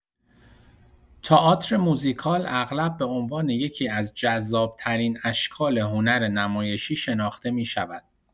تئاتر موزیکال اغلب به عنوان یکی‌از جذاب‌ترین اشکال هنر نمایشی شناخته می‌شود.